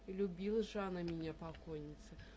И любила же она меня, покойница!